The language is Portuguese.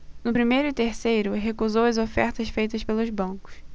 no primeiro e terceiro recusou as ofertas feitas pelos bancos